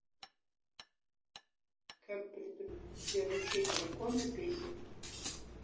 как приручить дракона песни